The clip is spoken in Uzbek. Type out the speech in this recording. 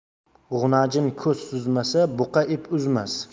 g'unajin ko'z suzmasa buqacha ip uzmas